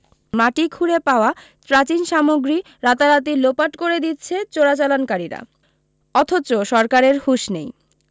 মাটি খুঁড়ে পাওয়া প্রাচীন সামগ্রী রাতারাতি লোপাট করে দিচ্ছে চোরাচালানকারীরা অথচ সরকারের হুঁশ নেই